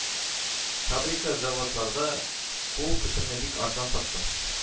— фабрика-заводларда кул көчемне бик арзан саттым.